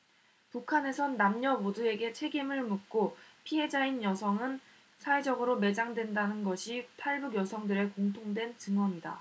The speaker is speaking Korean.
북한에선 남녀 모두에게 책임을 묻고 피해자인 여성은 사회적으로 매장된다는 것이 탈북 여성들의 공통된 증언이다